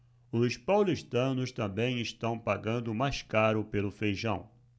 os paulistanos também estão pagando mais caro pelo feijão